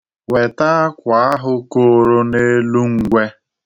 Weta akwa ahụ koro n'elu ngwe